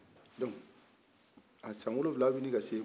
donc a san wolonwulu bɛ ɲini ka se